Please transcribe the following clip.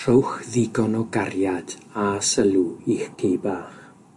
Rhowch ddigon o gariad a sylw i'ch ci bach.